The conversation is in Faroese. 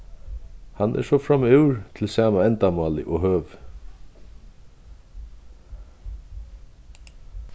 hann er so framúr til sama endamálið og høvi